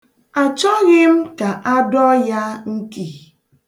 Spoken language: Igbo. Achọghị m ka a dọọ ya nki.